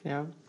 Iawn.